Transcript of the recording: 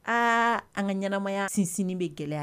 Aa an ka ɲɛnɛmaya sinsin bɛ gɛlɛya